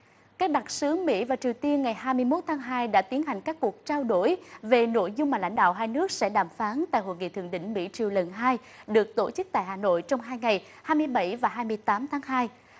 các đặc sứ mỹ và triều tiên ngày hai mươi mốt tháng hai đã tiến hành các cuộc trao đổi về nội dung mà lãnh đạo hai nước sẽ đàm phán tại hội nghị thượng đỉnh mỹ triều lần hai được tổ chức tại hà nội trong hai ngày hai mươi bảy và hai mươi tám tháng hai